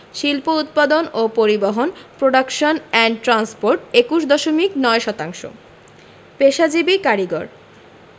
শিল্প উৎপাদন ও পরিবহণ প্রোডাকশন এন্ড ট্রান্সপোর্ট ২১ দশমিক ৯ শতাংশ পেশাজীবী কারিগরঃ